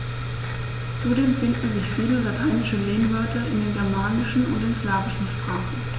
Zudem finden sich viele lateinische Lehnwörter in den germanischen und den slawischen Sprachen.